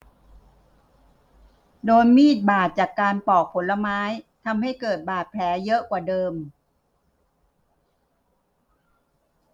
โดนมีดบาดจากการปอกผลไม้ทำให้เกิดบาดแผลเยอะกว่าเดิม